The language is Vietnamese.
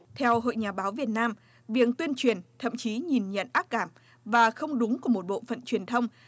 theo hội nhà báo việt nam việc tuyên truyền thậm chí nhìn nhận ác cảm và không đúng của một bộ phận truyền thông